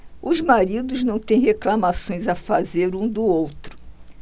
os maridos não têm reclamações a fazer um do outro